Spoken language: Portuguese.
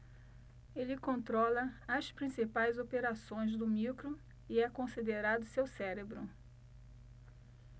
ele controla as principais operações do micro e é considerado seu cérebro